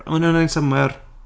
Hwnna'n wneud synnwyr?